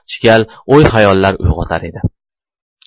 chigal o'y xayollar uyg'otar edi